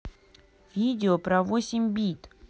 видео про восемь бит